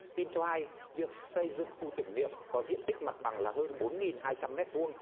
tin cho hay việc xây dựng khu tưởng niệm có diện tích mặt bằng là hơn bốn nghìn hai trăm mét vuông